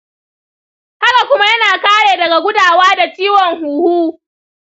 haka kuma yana kare daga gudawa da ciwon huhu.